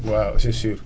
waaw c' est sûr